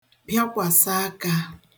bịakwạsa akā